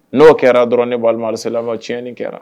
N'o kɛra dɔrɔn ne'la tiɲɛɲɛnani kɛra